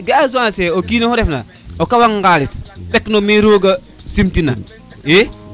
ga a Zancier o kino xu ref na o kawan xalis ɓek na me roga sim tina xe